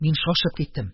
Мин шашып киттем: